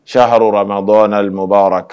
Sa hal na dɔnna mubarake.